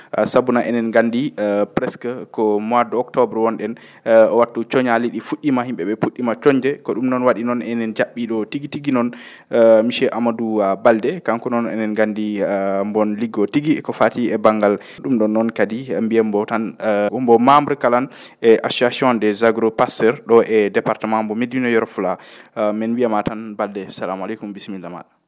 a sabuna enen nganndi presque ko mois de octobre ngon?en wattu coñaali ?ii fu??iima yim?e ?ee pu??iima soñde ko ?um noon wa?i noon enen ja??ii ?oo tigi tigi noon monsieur Aamadu Baalnde kanko noon enen ngandi mbon liggoo tigi e ko farii e banngal ?um ?oon noon kadi mbi'en mbo ran ko mbo membre kalan assocition des argo-pasteur ?oo e département mbo Médina Yoro Fula men mbiyamaa tan Baalnde salamu aleykum bissimilla maa?a